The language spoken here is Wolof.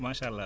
macha allah